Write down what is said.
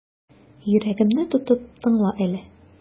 Йөрәгемне тотып тыңла әле.